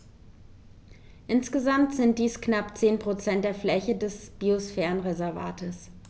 Insgesamt sind dies knapp 10 % der Fläche des Biosphärenreservates.